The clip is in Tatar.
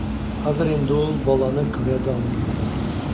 Хәзер инде ул баланы күрә дә алмый иде.